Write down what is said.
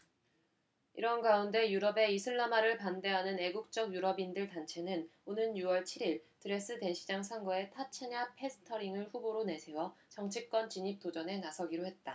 이런 가운데 유럽의 이슬람화를 반대하는 애국적 유럽인들 단체는 오는 유 월 칠 일 드레스덴시장 선거에 타챠나 페스터링을 후보로 내세워 정치권 진입 도전에 나서기로 했다